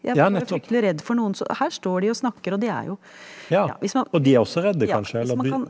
jeg var fryktelig redd for noen så her står de og snakker og de er jo ja hvis man ja hvis man kan.